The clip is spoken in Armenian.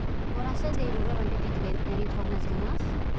Որ ասել էիր, ուրեմն պիտի կլիենտներին թողնես՝ գնա՞ս։